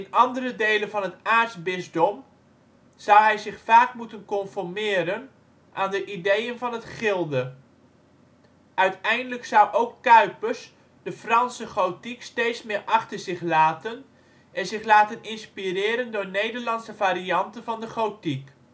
andere delen van het aartsbisdom zou hij zich vaak moeten conformeren aan de ideeën van het Gilde. Uiteindelijk zou ook Cuypers de Franse gotiek steeds meer achter zich laten en zich laten inspireren door Nederlandse varianten van de gotiek